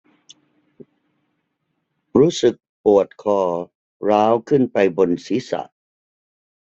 รู้สึกปวดคอร้าวขึ้นไปบนศีรษะ